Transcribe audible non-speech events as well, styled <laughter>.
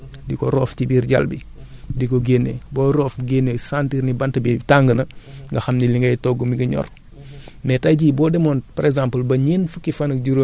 léegi pour nga xam ndax mi ngi tàng wala déet <breath> da ngay wut sa bant di ko roof ci biir jal bi di ko génne booy roof génne sentir :fre ne bant bi tàng na nga xam ne li ngay togg mi ngi ñor